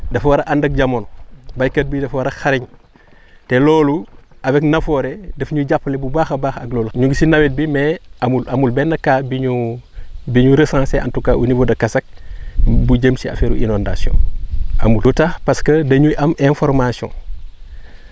dafa war a ànd ak jamono béykat bi dafa war a xarañ te loolu avec Nafoore daf ñuy jàppale bu baax a baax ak loolu ñu ngi si nawet bi mais amul amul benn cas bi ñu bi ñu recensé en tout cas au niveau de Kasak bu jëm si affaire innondation amul lu tax parce que dañuy am information